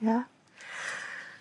Ia?